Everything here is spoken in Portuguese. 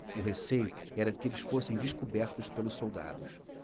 o receio era de que eles fossem descobertos pelos soldados